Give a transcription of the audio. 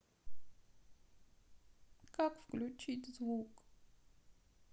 как включить звук